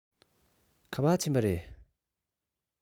ག པར ཕྱིན པ རེད